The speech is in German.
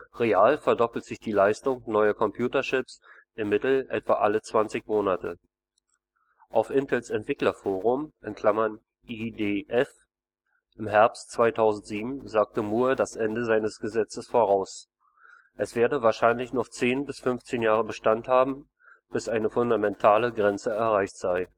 Real verdoppelt sich die Leistung neuer Computerchips im Mittel etwa alle 20 Monate. Auf Intels Entwicklerforum (IDF) im Herbst 2007 sagte Moore das Ende seines Gesetzes voraus: Es werde wahrscheinlich noch 10 bis 15 Jahre Bestand haben, bis eine fundamentale Grenze erreicht sei